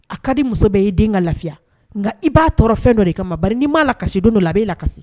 A ka di muso bɛɛ y'i den ka lafiya nka i b'a tɔɔrɔ fɛn dɔ de i kama mari n' m'a la kasisi don la a bɛ' la kasi